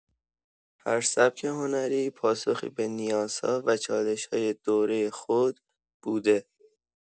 هر سبک هنری پاسخی به نیازها و چالش‌های دوره خود بوده.